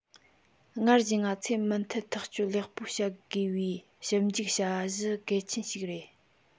སྔར བཞིན ང ཚོས མུ མཐུད ཐག གཅོད ལེགས པོ བྱ དགོས པའི ཞིབ འཇུག བྱ གཞི གལ ཆེན ཞིག རེད